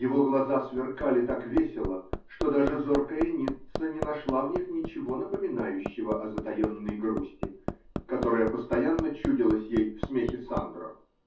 Его глаза сверкали так весело, что даже зоркая Ницца не нашла в них ничего напоминающего о затаенной грусти, которая постоянно чудилась ей в смехе Сандро.